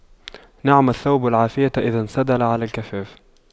نعم الثوب العافية إذا انسدل على الكفاف